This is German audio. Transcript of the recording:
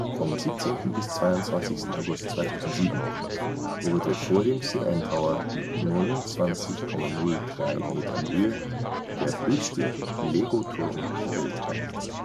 Vom 17. bis 22. August 2007 wurde vor dem CN Tower mit 29,03 Metern Höhe der höchste Legoturm der Welt errichtet